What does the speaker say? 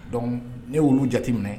Don ne y'olu jate minɛ